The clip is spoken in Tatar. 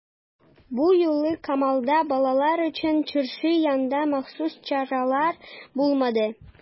Бу юлы Камалда балалар өчен чыршы янында махсус чаралар булмады.